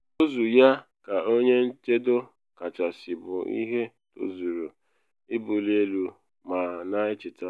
Ntozu ya ka Onye Nchedo Kachasị bụ ihe tozuru ibuli elu ma na echeta.”